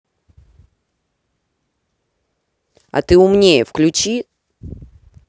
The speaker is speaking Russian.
а ты умнее включи